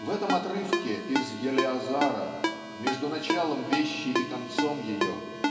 в этом отрывке из "Елеазара" между началом вещи и концом ее